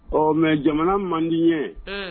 Ɔɔ mɛn Jamana man di n ye; ɛɛ